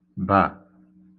bà